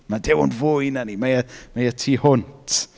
Ma' Duw yn fwy na ni. Mae e, mae e tu hwnt.